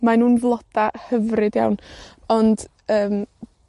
Mae nw'n floda hyfryd iawn, ond, yym,